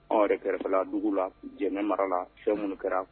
An yɛrɛ kɛrɛfɛ la dugu la Jɛnɛ mara la fɛn minnu kɛra